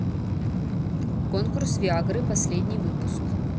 конкурс виагры последний выпуск